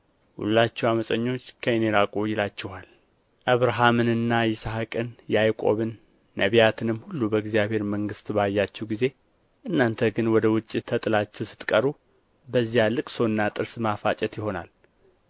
ሁላችሁ ዓመፀኞች ከእኔ ራቁ ይላችኋል አብርሃምንና ይስሐቅን ያዕቆብንም ነቢያትንም ሁሉ በእግዚአብሔር መንግሥት ባያችሁ ጊዜ እናንተ ግን ወደ ውጭ ተጥላችሁ ስትቀሩ በዚያ ልቅሶና ጥርስ ማፋጨት ይሆናል